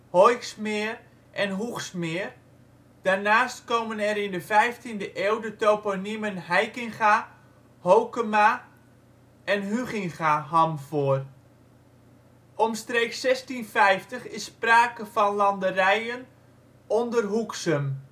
Hoixmeer en Hoechsmeer. Daarnaast komen in de vijftiende eeuw de toponiemen Hijkinga, Hokema of Huginga ham voor. Omstreeks 1650 is sprake van landerijen onder Hoexum